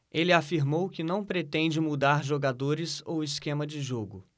ele afirmou que não pretende mudar jogadores ou esquema de jogo